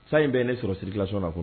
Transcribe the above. San in bɛɛ ye ne sɔrɔ circulation na kunun